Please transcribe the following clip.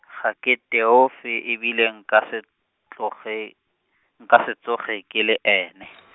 ga ke Teofo e bile nka se, tloge, nka se tsoge ke le ene.